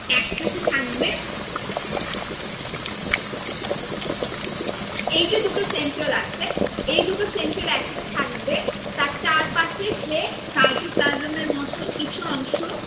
একসাথে থাকবে এই যে দুটো সেন্ট্রিওল আছে এই দুটো সেন্ট্রাল একসাথে থাকবে তার চারপাশে সে সাইটোপ্লাজম এর মতন কিছু অংশ